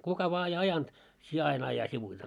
kuka vain ei ajanut sinä aina aja sivuitse